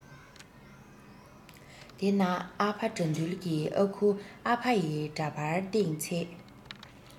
དེ ན ཨ ཕ དགྲ འདུལ གྱི ཨ ཁུ ཨ ཕ ཡི འདྲ པར སྟེང ཚེ